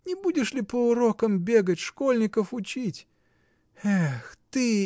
Не будешь ли по урокам бегать, школьников учить? Эх ты!